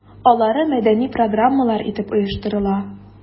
Алары мәдәни программалар итеп оештырыла.